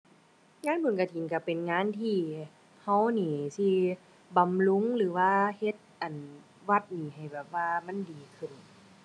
งานบุญกฐินก็เป็นงานที่ ก็นี่สิบำรุงหรือว่าเฮ็ด อั่น วัดนี่ให้แบบว่ามันดีขึ้น